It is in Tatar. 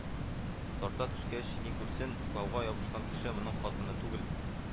Тарта төшкәч, ни күрсен, бауга ябышкан кеше моның хатыны түгел